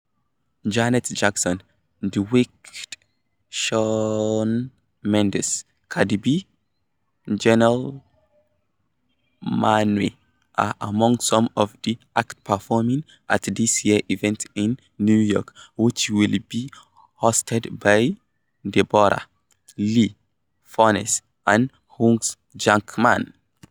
Janet Jackson, the Weeknd, Shawn Mendes, Cardi B, Janelle Monáe are among some of the acts performing at this year's event in New York, which will be hosted by Deborra-Lee Furness and Hugh Jackman.